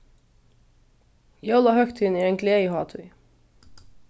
jólahøgtíðin er ein gleðihátíð